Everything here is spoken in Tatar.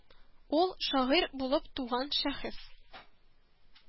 Ул шагыйрь булып туган шәхес